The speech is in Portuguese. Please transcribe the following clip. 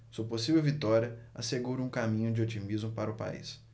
sua possível vitória assegura um caminho de otimismo para o país